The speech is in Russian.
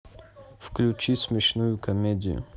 включи смешную комедию